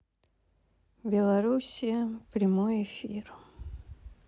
белоруссия прямой эфир